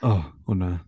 O, hwnna.